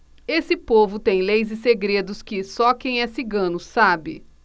esse povo tem leis e segredos que só quem é cigano sabe